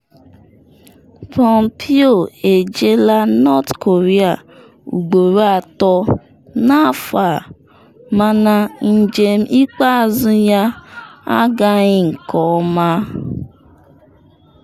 Pompeo ejeela North Korea ugboro atọ n’afọ a, mana njem ikpeazụ ya agaghị nke ọma.